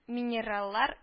Минераллар